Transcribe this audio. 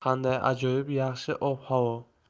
qanday ajoyib yaxshi ob havo